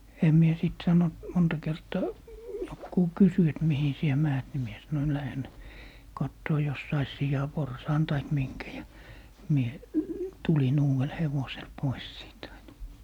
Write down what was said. en minä sitten sanonut monta kertaa joku kysyi että mihin sinä menet niin minä sanoin lähden katsomaan jos saisi sianporsaan tai minkä ja minä tulin uudella hevosella pois siitä aina